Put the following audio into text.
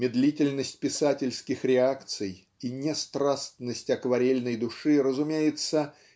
Медлительность писательских реакций и нестрастность акварельной души разумеется